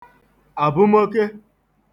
abụmoke